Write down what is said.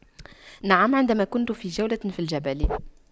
نعم عندما كنت في جولة في الجبل